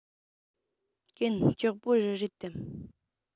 གན ལྕོགས པོ རི རེད དམ